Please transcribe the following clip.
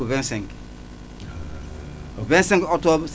25 25 octobre